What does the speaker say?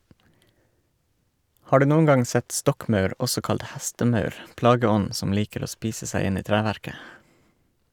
Har du noen gang sett stokkmaur, også kalt hestemaur, plageånden som liker å spise seg inn i treverket?